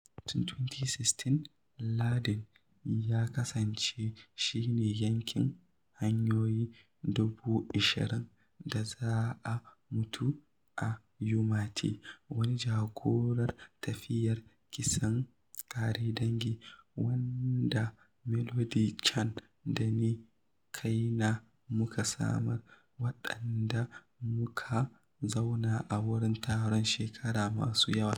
Tun 2016, lardin ya kasance shi ne yankin "hanyoyi 20,000 da za a mutu a Yu Ma Tei", wani jagorar "tafiyar kisan ƙare dangi" wanda Melody Chan da ni kaina muka samar, waɗanda muka zauna a wurin tsaro shekaru masu yawa.